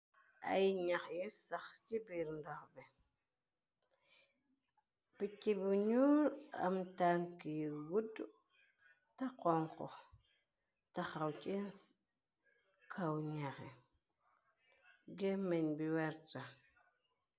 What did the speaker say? Ay ñax yu sax ci biir ndox bi, picc bu ñul am tank yu wudd, texonxo, taxaw ci kaw ñaxe, gemeñ bi werta.